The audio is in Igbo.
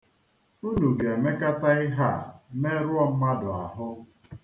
Unu ga-emekata ihe a merụọ mmadụ ahụ.